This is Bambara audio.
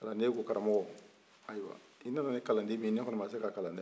kalanden ko karamɔgɔ ayiwa i nana ni kalanden min ne kɔni ma se k'a kalan dɛ